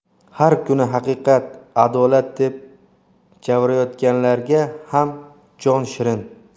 har kuni haqiqat adolat deb javrayotganlarga ham jon shirin